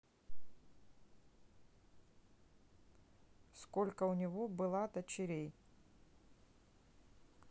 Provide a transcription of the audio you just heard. сколько у него была дочерей